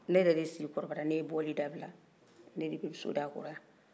ne yɛrɛ de si kɔrɔbayara ne ye bɔli dabila ne bɛ to soda kɔrɔ yan